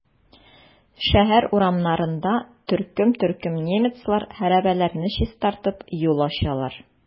Шәһәр урамнарында төркем-төркем немецлар хәрабәләрне чистартып, юл ачалар.